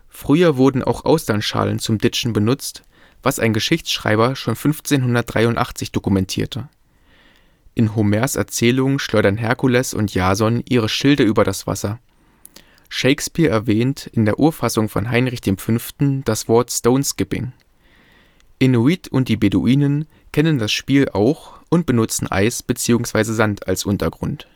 Früher wurden auch Austernschalen zum „ Ditschen “benutzt, was ein Geschichtsschreiber schon 1583 dokumentierte. In Homers Erzählung schleudern Herkules und Jason ihre Schilde über das Wasser. Shakespeare erwähnt in der Urfassung von „ Heinrich V. “das Wort „ stone-skipping “. Inuit und die Beduinen kennen das Spiel auch und benutzen Eis bzw. Sand als Untergrund